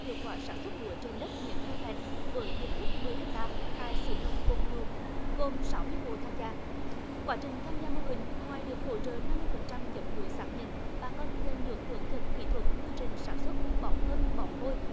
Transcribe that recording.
hiệu quả sản xuất lúa trên đất nhiễm chua phèn với diện tích mười héc ta tại xứ đồng cùng du gồm sáu mươi hộ tham gia quá trình tham gia mô hình ngoài được hỗ trợ năm mươi phần trăm giống lúa xác nhận bà con nông dân được hướng dẫn kỹ thuật quy trình sản xuất bỏ phân bỏ vôi